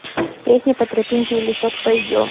песня по тропинке в лесок пойдем